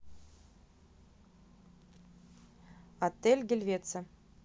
отель гельвецо